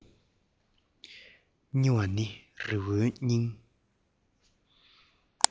སྙི བ ནི རི བོའི སྙིང